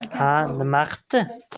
ha nima qipti